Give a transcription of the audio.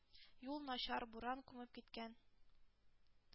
Юл начар. Буран күмеп киткән.